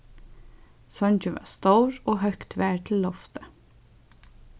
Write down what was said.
songin var stór og høgt var til loftið